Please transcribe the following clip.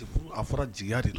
Furu,a fɔra jigiya de don.